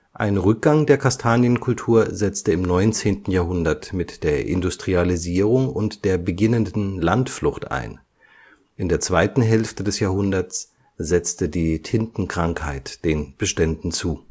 Ein Rückgang der Kastanienkultur setzte im 19. Jahrhundert mit der Industrialisierung und der beginnenden Landflucht ein, in der zweiten Hälfte des Jahrhunderts setzte die Tintenkrankheit den Beständen zu